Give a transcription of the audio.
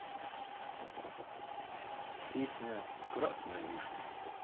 песня красная вишня